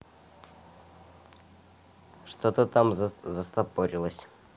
что то там застопорилось